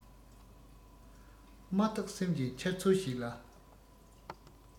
མ བརྟགས སེམས ཀྱི འཆར ཚུལ ཞིག ལ